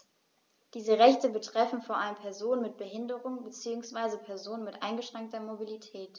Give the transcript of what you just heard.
Diese Rechte betreffen vor allem Personen mit Behinderung beziehungsweise Personen mit eingeschränkter Mobilität.